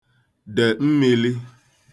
dè mmīlī